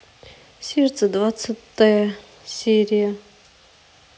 сердце двадцатая серия